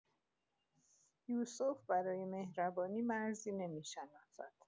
یوسف برای مهربانی مرزی نمی‌شناسد.